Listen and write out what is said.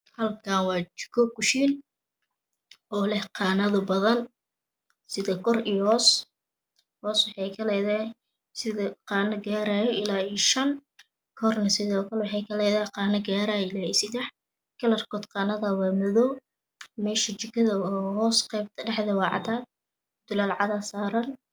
Halkaan waa jiko ku shiin oo leh qadano badan sida kor iyo hoos hoos waxay ka ledahay sida qadano garayo ilaa 5 korna sidi kale waxay ka ledahy qadano garayo ilaa 3 kalarkod qadanaha waa modow mesha jikada oo hoos qeebta dhaxda waa cadan mutunel cada saran